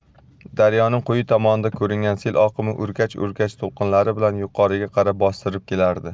daryoning quyi tomonida ko'ringan sel oqimi o'rkach o'rkach to'lqinlari bilan yuqoriga qarab bostirib kelardi